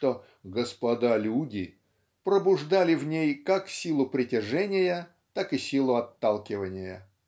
что "господа люди" пробуждали в ней как силу притяжения так и силу отталкивания.